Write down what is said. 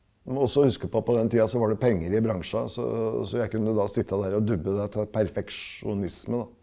du må også huske på på den tida så var det penger i bransjen, så så jeg kunne da sitte der og dubbe det til perfeksjonisme da.